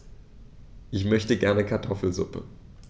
Ich möchte gerne Kartoffelsuppe.